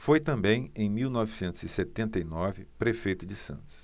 foi também em mil novecentos e setenta e nove prefeito de santos